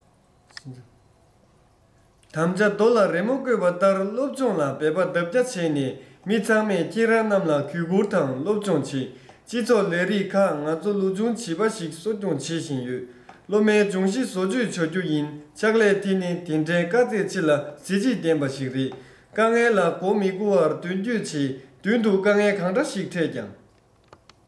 དམ བཅའ རྡོ ལ རི མོ བརྐོས པ ལྟར སློབ སྦྱོང ལ འབད པ ལྡབ བརྒྱ བྱས ནས མི ཚང མས ཁྱེད རང རྣམས ལ གུས བཀུར དང སློབ སྦྱོང བྱེད སྤྱི ཚོགས ལས རིགས ཁག ང ཚོ ལོ ཆུང བྱིས པ བྱིས པ ཞིག གསོ སྐྱོང བྱེད བཞིན ཡོད སློབ མའི སྦྱོང གཞི བཟོ བཅོས བྱ རྒྱུ ཡིན ཕྱག ལས དེ ནི འདི འདྲའི དཀའ ཚེགས ཆེ ལ གཟི བརྗིད ལྡན པ ཞིག རེད དཀའ ངལ ལ མགོ མི སྒུར བར མདུན སྐྱོད བྱེད མདུན དུ དཀའ ངལ གང འདྲ ཞིག ཕྲད ཀྱང